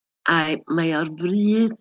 A mae o'r bryd.